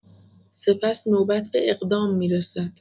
سپس نوبت به اقدام می‌رسد.